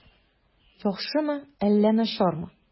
Яхшымы әллә начармы?